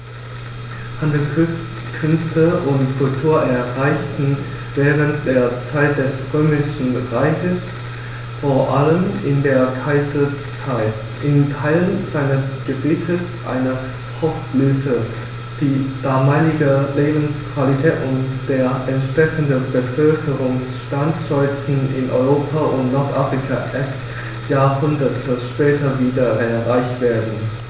Handel, Künste und Kultur erreichten während der Zeit des Römischen Reiches, vor allem in der Kaiserzeit, in Teilen seines Gebietes eine Hochblüte, die damalige Lebensqualität und der entsprechende Bevölkerungsstand sollten in Europa und Nordafrika erst Jahrhunderte später wieder erreicht werden.